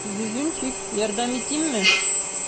Зюзюнчик, ярдәм итимме?